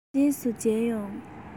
རྗེས སུ མཇལ ཡོང